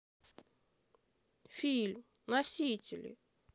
фильм носители